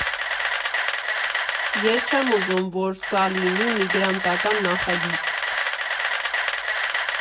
Ես չեմ ուզում, որ սա լինի միգրանտական նախագիծ։